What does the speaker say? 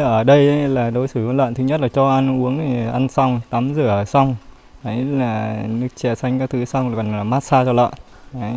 ở đây là đối xử với lợn thứ nhất là cho ăn uống thì ăn xong tắm rửa xong đấy là nước chè xanh các thứ xong là vào mát xa cho lợn đấy